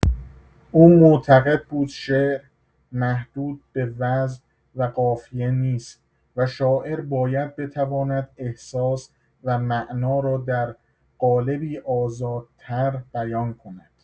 او معتقد بود شعر محدود به وزن و قافیه نیست و شاعر باید بتواند احساس و معنا را در قالبی آزادتر بیان کند.